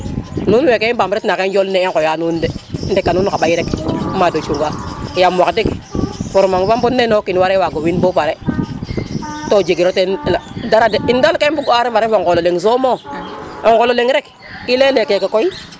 nuun wekw i mbamb rit na xaye njol ne i ŋoya nuun de ndeka nuun xa ɓaye rek mado cunga yaam wax deg fomang fo mbod nene o kin ware wago fi in bo pare to jegiro ten dara de in dal ka i mbug u a refe ref o ŋolo leng somo o ŋolo leng rek i leyele keke koy